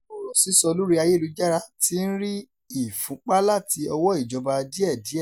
Ọ̀rọ̀ sísọ lórí ayélujára ti ń rí ìfúnpa láti ọwọ́ ìjọba díẹ̀ díẹ̀.